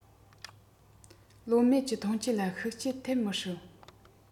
ལོ སྨད ཀྱི ཐོན སྐྱེད ལ ཤུགས རྐྱེན ཐེབས མི སྲིད